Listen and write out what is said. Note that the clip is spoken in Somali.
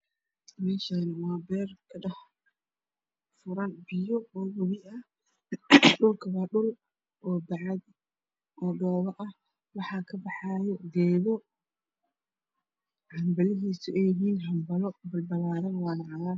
Meshaan waa beer ka dhex furan biyo webi dhulka waa dhul bacada oo gobo ah wax ka baxayo geedo hanbaladisu ay yihiin hanbalo bal balaran wana cagaar